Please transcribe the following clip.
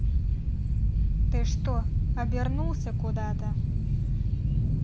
ты что обернулся куда то